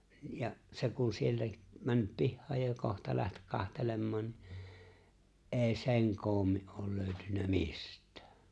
ja se kun sieltä mennyt pihaan ja kohta lähti katselemaan niin ei sen koommin ole löytynyt mistään